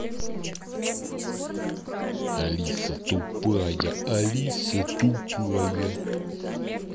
алиса тупая алиса тупая